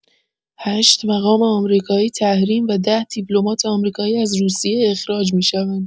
۸ مقام آمریکایی تحریم و ۱۰ دیپلمات آمریکایی از روسیه اخراج می‌شوند.